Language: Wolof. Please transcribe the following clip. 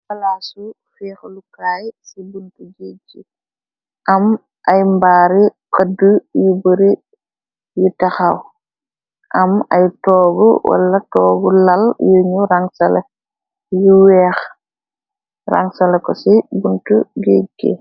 Falaasu fiix lu kraay ci bunt jiejgi, am ay mbaari xëdd yi buri yi taxaw, am ay toogu wala toogu lal yuñu r yu weexransala, ko ci bunt géejgi.